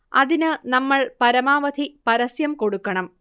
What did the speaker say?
അതിന് നമ്മൾ പരമാവധി പരസ്യം കൊടുക്കണം